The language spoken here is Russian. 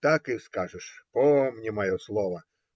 так и скажешь, помяни мое слово.